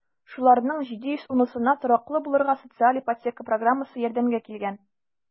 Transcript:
Шуларның 710-сына тораклы булырга социаль ипотека программасы ярдәмгә килгән.